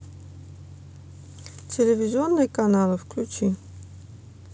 телевизионные каналы включи